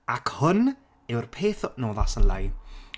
Ac hwn yw'r peth no thats a lie.